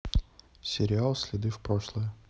сериал следы в прошлое